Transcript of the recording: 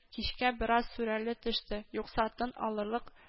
Кичкә бераз сүрелә төште, юкса, тын алырлык